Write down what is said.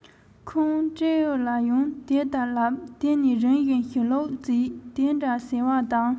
ཁོང སྤྲེའུ ལ ཡང དེ ལྟར ལབ དེ ནས རིམ བཞིན ཞུ ལུགས བྱེད དེ འདྲ ཟེར བ དང